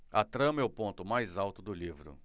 a trama é o ponto mais alto do livro